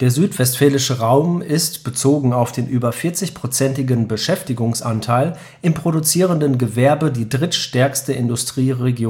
südwestfälische Raum ist, bezogen auf den über 40-prozentigen Beschäftigtenanteil, im produzierenden Gewerbe die drittstärkste Industrieregion Deutschlands. Im